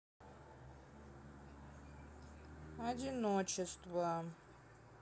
одиночество